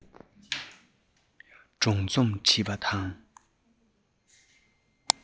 སྒྲུང རྩོམ བྲིས དང